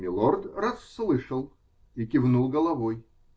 "Милорд" расслышал и кивнул головой.